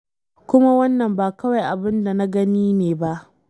Kuma wannan ba kawai abin da na gani ne ba.